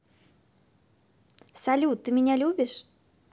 салют ты меня любишь